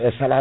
e salade